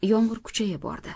yomg'ir kuchaya bordi